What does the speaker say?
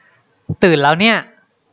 ตื่นแล้วเนี่ย